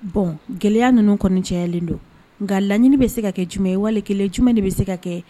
Bon gɛlɛya ninnu kɔni cayalen don, nka laɲini bɛ se ka kɛ jumɛn ye wali kelen jumɛn de bɛ se ka kɛ